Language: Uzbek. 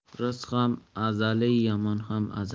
rizq ham azaliy yomon ham azaliy